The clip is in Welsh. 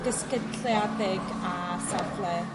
gysgylleiaddig â safle